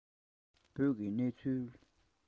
བོད ཀྱི གནས ཚུལ